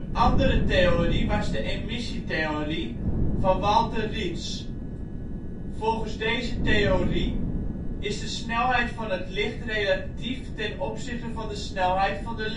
andere theorie was de emissietheorie van Walter Ritz. Volgens deze theorie is de snelheid van het licht relatief ten opzichte van de snelheid van de lichtbron